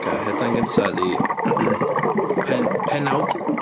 Ocê headline gynta ydy pen- pennawd.